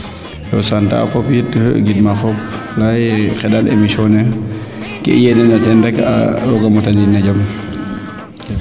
sant a fop it ngidmaa fop leya ye xenda emission ne kee i yeene na teen rek rooga mata nin no jam